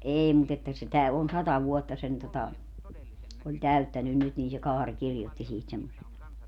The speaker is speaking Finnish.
ei mutta että sitä on sata vuotta sen tuota oli täyttänyt nyt niin se Kaari kirjoitti siitä semmoisen